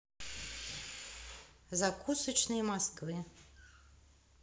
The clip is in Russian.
закусочные москвы